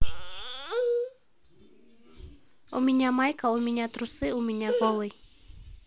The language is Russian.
у меня майка у меня трусы у меня голый